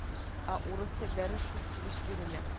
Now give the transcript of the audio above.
Ә урыс теллеләре шул килеш бирелә